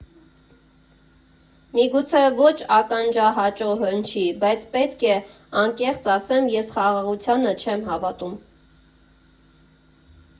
Միգուցե ոչ ականջահաճո հնչի, բայց պետք է անկեղծ ասեմ, ես խաղաղությանը չեմ հավատում։